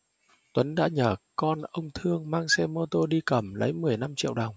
tuấn đã nhờ con ông thương mang xe mô tô đi cầm lấy mười lăm triệu đồng